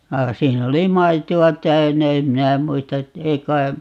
vaan siinä oli maitoa täynnä en minä muista että ei kai